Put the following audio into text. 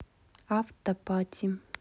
автопати